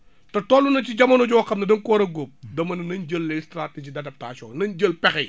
te toll na ci jamono joo xam ne da nga ko war a góob dama ne nañ jël les stratégies d' adaptation nañ jël pexe yi